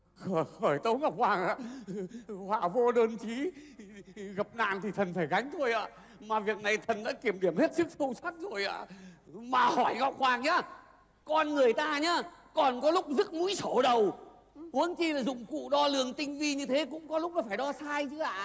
khởi tấu ngọc hoàng ạ họa vô đơn chí gặp nạn thì thần phải gánh thôi ạ mà việc này thần đã kiểm điểm hết sức sâu sắc rồi ạ mà hỏi ngọc hoàng nhá con người ta nhá còn có lúc dức mũi sổ đầu huống chi là dụng cụ đo lường tinh vi như thế cũng có lúc nó phải đo sai chứ ạ